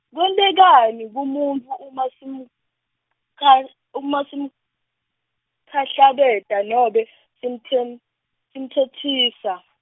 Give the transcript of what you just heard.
kwentekani kumuntfu uma simkhah-, uma simkhahlabeta nobe, simtem- simtsetsisa.